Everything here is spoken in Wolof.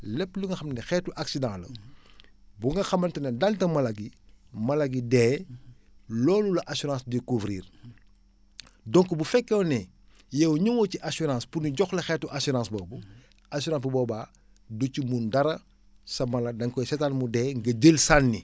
lépp li nga xam ne xeetu accident la bu nga xamante ne dal na mala gi mala gi dee loolu la assurance di couvrir donc bu fekkoon ne yow ñëwoo ci assurance pour ñu jox la xeetu assurance boobu assurance bu boobaa du ci mun dara sa mala daén koy seetaan mu dee nga jël sànni